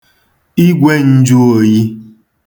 igwēn̄jụ̄ōyī